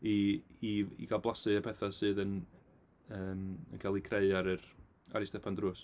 I i i gael blasu petha sydd yn yn yn cael eu creu ar yr ar eu stepan drws.